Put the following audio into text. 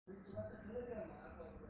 qo'lidan ish kehnagan ma'raka buzar